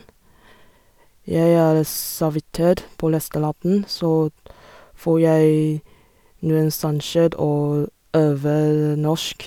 Jeg er servitør på restauranten, så får jeg noen sjanser å øve norsk.